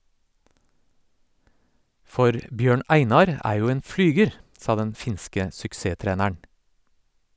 For Bjørn Einar er jo en flyger, sa den finske suksesstreneren.